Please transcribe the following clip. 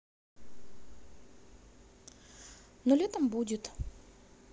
но летом будет